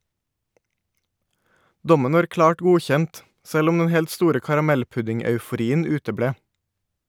Dommen var klart godkjent , selv om den helt store karamellpudding-euforien uteble.